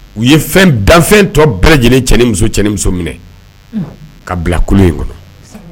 U ye fɛn danfɛn tɔ bɛ lajɛlen cɛ ni muso cɛ ni muso minɛ unhun ka bila kulun in ŋɔnɔ